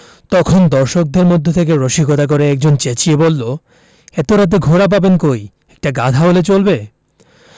তখন দর্শকদের মধ্য থেকে রসিকতা করে একজন চেঁচিয়ে বললো এত রাতে ঘোড়া পাবেন কই একটি গাধা হলে চলবে